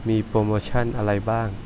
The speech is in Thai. มีโปรโมชั่นอะไรบ้าง